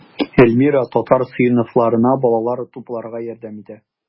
Эльмира татар сыйныфларына балалар тупларга ярдәм итә.